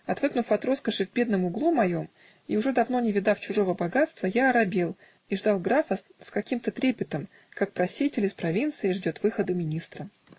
Отвыкнув от роскоши в бедном углу моем и уже давно не видав чужого богатства, я оробел и ждал графа с каким-то трепетом, как проситель из провинции ждет выхода министра.